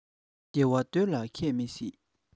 བདེ བར སྡོད ལ མཁས མི སྲིད